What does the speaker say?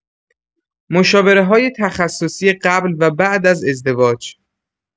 مشاوره‌های تخصصی قبل و بعد از ازدواج